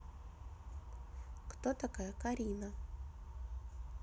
кто такая карина